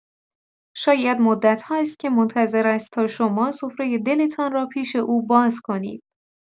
شاید مدت‌هاست که منتظر است تا شما سفره دلتان را پیش او باز کنید.